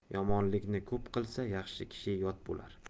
yomonlikni ko'p qilsa yaxshi kishi yot bo'lar